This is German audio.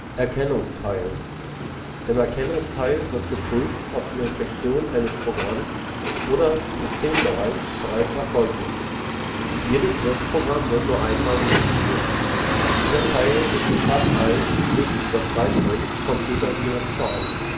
Erkennungsteil: Im Erkennungsteil wird geprüft, ob die Infektion eines Programms oder Systembereichs bereits erfolgt ist. Jedes Wirtsprogramm wird nur einmal infiziert. Dieser Teil ist in fast allen nicht-überschreibenden Computerviren vorhanden